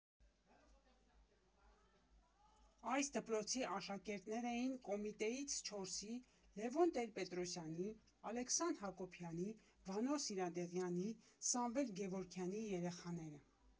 Այս դպրոցի աշակերտներ էին Կոմիտեից չորսի՝ Լևոն Տեր֊Պետրոսյանի, Ալեքսան Հակոբյանի, Վանո Սիրադեղյանի, Սամվել Գևորգյանի երեխաները։